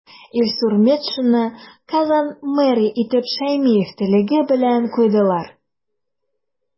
Илсур Метшинны Казан мэры итеп Шәймиев теләге белән куйдылар.